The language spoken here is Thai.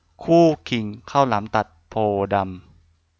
คู่คิงข้าวหลามตัดโพธิ์ดำ